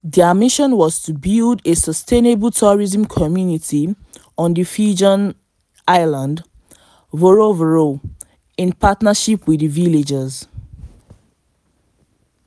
Their mission was to build a sustainable tourism community on the Fijian island, Vorovoro, in partnership with villagers.